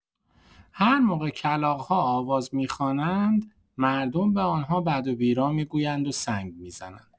هر موقع کلاغ‌ها آواز می‌خوانند، مردم به آن‌ها بد و بیراه می‌گویند و سنگ می‌زنند.